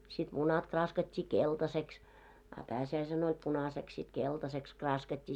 sitten munat kraaskattiin keltaiseksi a pääsiäisenä oli punaiseksi sitten keltaiseksi kraaskattiin